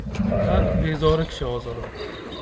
bola bezori kishi ozori